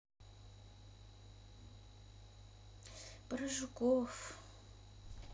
про жуков